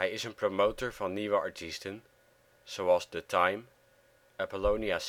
is een promotor van nieuwe artiesten, zoals The Time, Apollonia